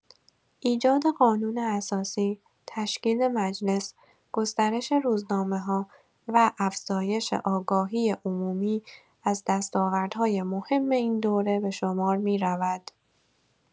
ایجاد قانون اساسی، تشکیل مجلس، گسترش روزنامه‌ها و افزایش آگاهی عمومی از دستاوردهای مهم این دوره به شمار می‌رود.